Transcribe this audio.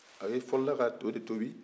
a fɔlɔla ka to de tobi